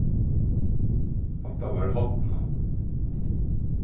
hatta var horna